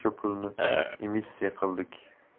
shuncha pulni emissiya qildik